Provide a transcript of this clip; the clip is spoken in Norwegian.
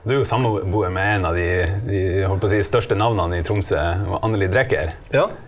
du er samboer med en av de de holdt på å si største navna i Tromsø, hun Anneli Drecker?